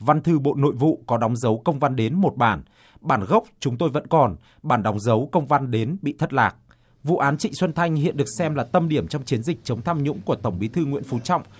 văn thư bộ nội vụ có đóng dấu công văn đến một bản bản gốc chúng tôi vẫn còn bản đóng dấu công văn đến bị thất lạc vụ án trịnh xuân thanh hiện được xem là tâm điểm trong chiến dịch chống tham nhũng của tổng bí thư nguyễn phú trọng